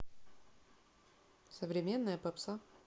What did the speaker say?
современная попса